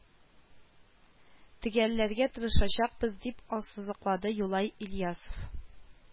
Төгәлләргә тырышачакбыз, дип ассызыклады юлай ильясов